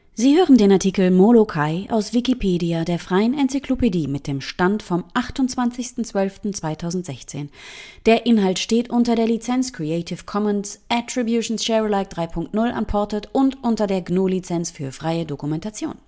Sie hören den Artikel Molokaʻi, aus Wikipedia, der freien Enzyklopädie. Mit dem Stand vom Der Inhalt steht unter der Lizenz Creative Commons Attribution Share Alike 3 Punkt 0 Unported und unter der GNU Lizenz für freie Dokumentation